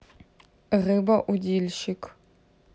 рыба удильщик